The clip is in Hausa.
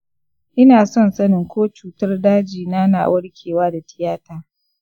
ina son sanin ko cutar dajina na warkewa da tiyata.